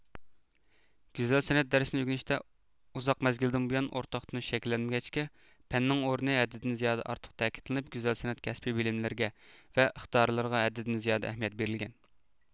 گۈزەل سەنئەت دەرسنى ئۆگىنىشتە ئۇزاق مەزگىلدىن بۇيان ئورتاق تونۇش شەكىللەنمىگەچكە پەننىڭ ئورنى ھەددىدىن زىيادە ئارتۇق تەكىتلىنىپ گۈزەل سەنئەت كەسپىي بىلىملىرىگە ۋە ئىقتىدارلىرىغا ھەددىدىن زىيادە ئەھمىيەت بېرىلگەن